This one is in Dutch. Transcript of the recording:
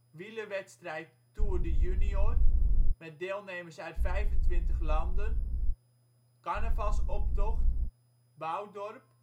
Wielerwedstrijd Tour de Junior, met deelnemers uit 25 landen Carnavalsoptocht Bouwdorp